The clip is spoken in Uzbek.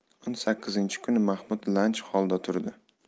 o'n sakkizinchi kuni mahmud lanj holda turdi